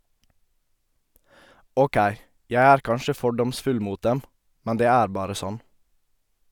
Åkei, jeg er kanskje fordomsfull mot dem, men det er bare sånn.